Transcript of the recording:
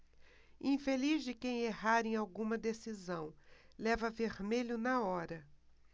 infeliz de quem errar em alguma decisão leva vermelho na hora